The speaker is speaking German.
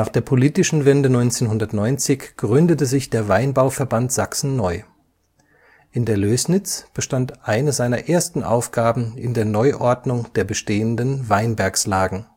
der politischen Wende 1990 gründete sich der Weinbauverband Sachsen neu. In der Lößnitz bestand eine seiner ersten Aufgaben in der Neuordnung der bestehenden Weinbergslagen